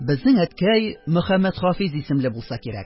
Безнең әткәй Мөхәммәтхафиз исемле булса кирәк.